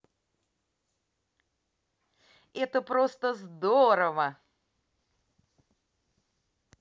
это просто здорово